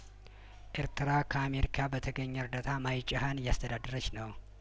ኤርትራ ከአሜሪካ በተገኘ እርዳታ ማይጨሀን እያስተዳደ ረች ነው